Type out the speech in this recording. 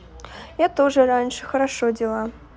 я тоже раньше хорошо дела